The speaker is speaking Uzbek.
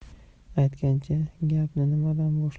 anchagacha gapni nimadan boshlashni